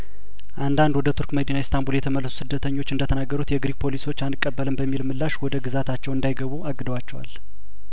አንዳንድ ወደ ቱርክ መዲና ኢስታንቡል የተመለሱ ስደተኞች እንደተናገሩት የግሪክ ፖሊሶች አንቀበልም በሚልምላሽ ወደ ግዛታቸው እንዳይገቡ አግደ ዋቸዋል